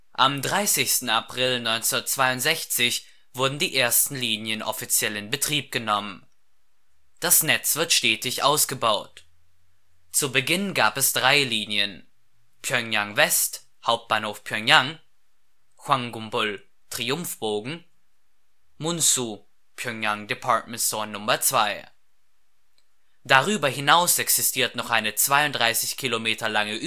Am 30. April 1962 wurden die ersten Linien offiziell in Betrieb genommen. Das Netz wird stetig ausgebaut. Zu Beginn gab es drei Linien; Pjöngjang West – Hauptbahnhof Pjöngjang, Hwanggumbol – Triumphbogen, Munsu – Pjöngjang Department Store No. 2. Darüber hinaus existiert noch eine 32 Kilometer lange